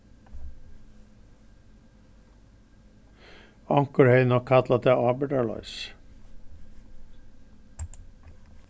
onkur hevði nokk kallað tað ábyrgdarloysi